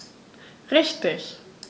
Richtig